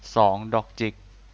สองดอกจิก